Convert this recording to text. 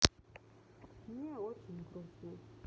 мне очень грустно